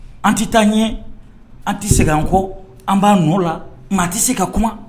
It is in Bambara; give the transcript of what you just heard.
An tɛ taa ɲɛ, an tɛ segin an kɔ, an b'a nɔ na, maa tɛ se ka kuma.